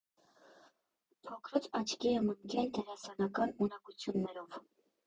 Փոքրուց աչքի եմ ընկել դերասանական ունակություններով։